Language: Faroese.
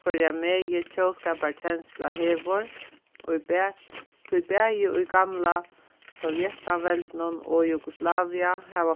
hvørja megi tjóðskaparkensla hevur tí bæði í gamla sovjetsamveldinum og jugoslavia hava